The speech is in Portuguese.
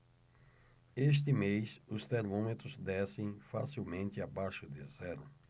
este mês os termômetros descem facilmente abaixo de zero